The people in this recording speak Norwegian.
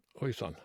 Oi sann.